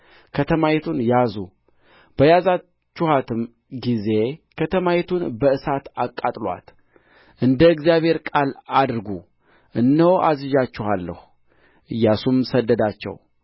ከተማይቱን ያዙ በያዛችኋትም ጊዜ ከተማይቱን በእሳት አቃጥሉአት እንደ እግዚአብሔር ቃል አድርጉ እነሆ አዝዣችኋለሁ ኢያሱም ሰደዳቸው